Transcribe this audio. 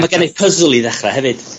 Ma' gennyf pysl i ddechre hefyd.